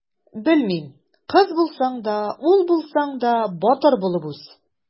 Белмим: кыз булсаң да, ул булсаң да, батыр булып үс!